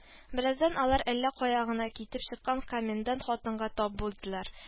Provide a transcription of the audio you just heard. Бераздан алар әллә кая гына китеп чыккан комендант хатынга тап булдылар